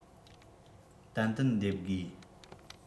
ཏན ཏན འདེབས དགོས